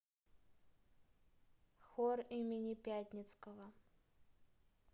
хор имени пятницкого